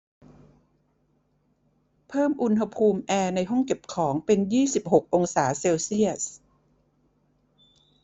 เพิ่มอุณหภูมิแอร์ในห้องเก็บของเป็นยี่สิบหกองศาเซลเซียส